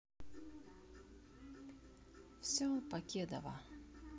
все покедова